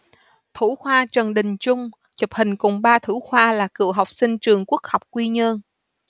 thủ khoa trần đình trung chụp hình cùng ba thủ khoa là cựu học sinh trường quốc học quy nhơn